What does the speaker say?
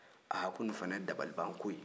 haa ko nin fana ye dabalibanko ye